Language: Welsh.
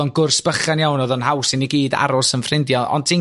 oddo'n gwrs bychan iawn o'ddo'n haws i ni gyd aros yn ffrindia' ond ti'n